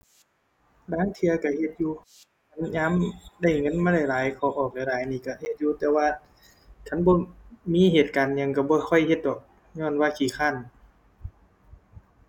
บางเทื่อก็เฮ็ดอยู่ ยามได้เงินมาหลายหลาย ของออกหลายหลายนี่ก็เฮ็ดอยู่ แต่ว่าคันบ่มีเหตุการณ์หยังก็บ่ค่อยเฮ็ดดอก ญ้อนว่าขี้คร้าน